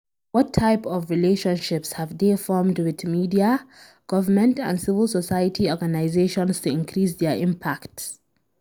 What types of relationships have they formed with media, government, and civil society organizations to increase their impact?